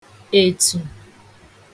ètù